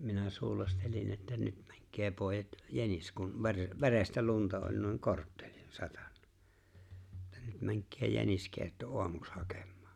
minä suulastelin että nyt oikein pojat jänis kun - verestä lunta oli niin korttelin satanut että nyt menkää jäniskeitto aamuksi hakemaan